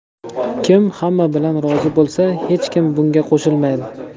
kim hamma bilan rozi bo'lsa hech kim bunga qo'shilmaydi